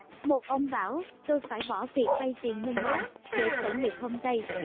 ông bảo tôi phải bỏ việc vay tiền ngân hàng để khởi nghiệp homestay